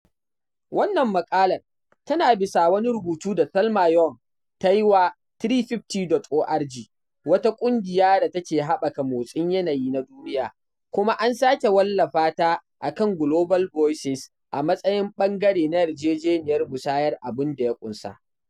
Wannan maƙalar tana bisa wani rubutu da Thelma Young ta yi wa 350.org, wata ƙungiya da ke haɓaka motsin yanayi na duniya, kuma an sake wallafa ta a kan Global Voices a matsayin ɓangare na yarjejeniyar musayar abun da ya ƙunsa.